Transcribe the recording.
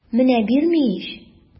Менә бирми ич!